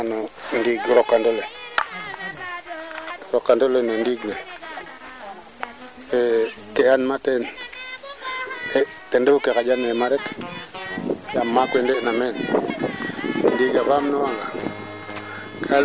o seenda nga teg ndoxa den soogo ndokik no ndiing naa bo kaaga xelna fo i nduufa nga jege lakas i ngesa nga kumpaa